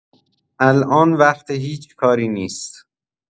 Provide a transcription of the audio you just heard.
الان وقت هیچ کاری نیست